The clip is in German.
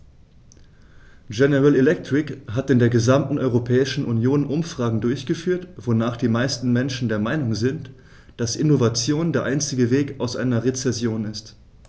General Electric hat in der gesamten Europäischen Union Umfragen durchgeführt, wonach die meisten Menschen der Meinung sind, dass Innovation der einzige Weg aus einer Rezession ist.